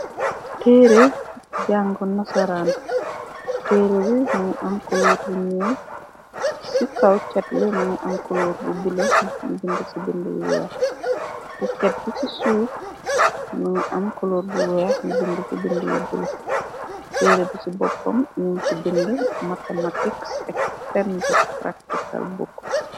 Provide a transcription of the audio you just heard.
Teerë jàngo nasaraan. Teere re mënga ankoloor yu ñuul ci kaw cetle mënga ankoloor bu bula ni bind ci bind yu weex. Ci cet bi ci suux manga ankoloor bu weex ni bind ci bind yu bula teer bi ci boppam nim ci bind mathematiks ak stendek praktikal bokk.